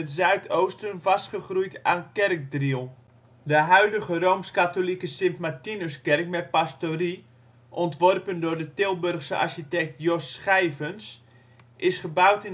zuidoosten vastgegroeid aan Kerkdriel. De huidige RK Sint Martinuskerk met pastorie, ontworpen door de Tilburgse architect Jos Schijvens, is gebouwd